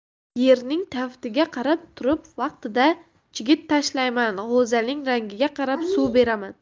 yerning taftiga qarab turib vaqtida chigit tashlayman g'o'zaning rangiga qarab suv beraman